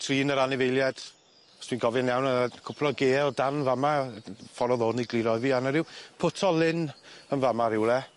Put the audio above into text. Trin yr anifeiliad os dwi'n cofio'n iawn yy cwpwl o gaee o dan fa' 'ma yy ffor odd o yn egluro i fi a o' 'na ryw pwt o lyn yn fa' 'ma rywle.